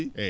eeyi